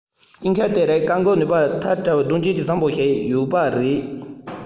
གཏན འཁེལ དེ རིགས བཀག འགོག ནུས པ ཐལ དྲགས པའི དོན རྐྱེན ངན པ ཞིག བཟང བོ ཞིག ཡོད པ རེད